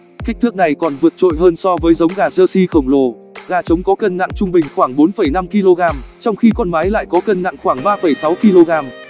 kích thước này còn vượt trội hơn so với giống gà jersey khổng lồ gà trống có cân nặng trung bình khoảng kg trong khi con mái lại có cân nặng khoảng kg